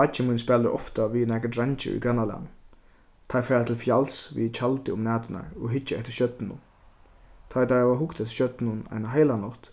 beiggi mín spælir ofta við nakrar dreingir í grannalagnum teir fara til fjals við tjaldi um næturnar og hyggja eftir stjørnunum tá teir hava hugt eftir stjørnunum eina heila nátt